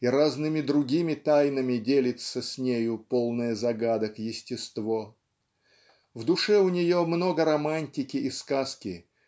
и разными другими тайнами делится с нею полное загадок естество. В душе у нее много романтики и сказки